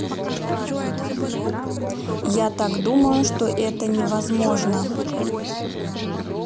я так думаю что это невозможно